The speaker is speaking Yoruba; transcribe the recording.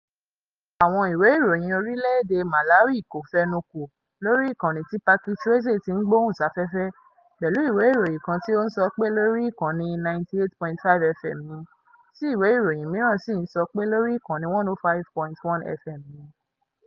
Àwọn ìwé ìròyìn orílẹ̀ èdè Malawi kò fenukò lórí ìkànnì tí Pachikweze tí ń gbóhùnsáfẹ́fẹ́, pẹ̀lú ìwé ìròyìn kan tí ó ń sọ pé lórí ìkànnì 98.5FM ni, tí ìwé ìròyìn mìíràn sì ń sọ pé lórí ìkànnì 105.1FM ni.